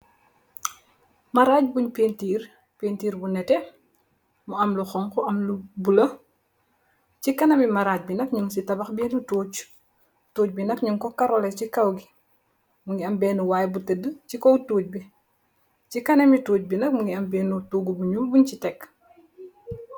Maraj buñ pentir pentir bu netteh mu am lu xonxu am lu bula, ci kanam mi maraj bi nak ñing ci tabax benna toc, toc bi nak ñing ko karó leh ci kaw gi, mugii am benna way bu tede ci kaw toc ngi. Ci kanami toc bi nak mugii am benna dugu bu ñuul buñ ci tèk.